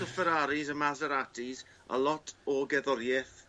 o Ferraris a Maseratis a lot o gerddorieth